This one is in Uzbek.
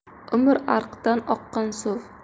umr ariqdan oqqan suv